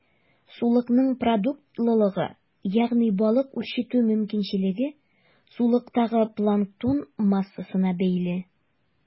Сулыкның продуктлылыгы, ягъни балык үрчетү мөмкинчелеге, сулыктагы планктон массасына бәйле.